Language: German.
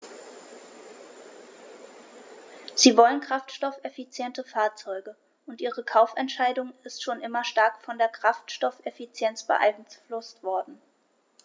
Sie wollen kraftstoffeffiziente Fahrzeuge, und ihre Kaufentscheidung ist schon immer stark von der Kraftstoffeffizienz beeinflusst worden.